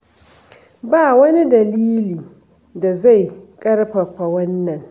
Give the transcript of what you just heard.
Ba wani dalili da zai ƙarfafa wannan.